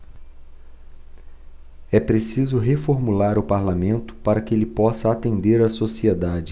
é preciso reformular o parlamento para que ele possa atender a sociedade